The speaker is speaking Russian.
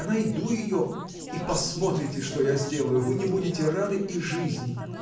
я найду ее – и посмотрите, что я сделаю: вы не будете рады и жизни!